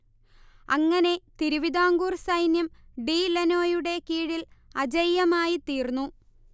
അങ്ങനെ തിരുവിതാംകൂർ സൈന്യം ഡി ലനോയുടെ കീഴിൽ അജയ്യമായിത്തീർന്നു